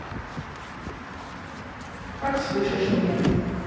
как слышишь меня